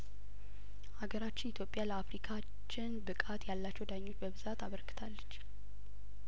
ሀገራችን ኢትዮጵያ ለአፍሪካችን ብቃት ያላቸው ዳኞች በብዛት አበርክታለች